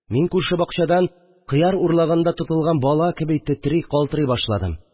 Мин күрше бакчадан кыяр урлаганда тотылган бала кеби тетри, калтырый башладым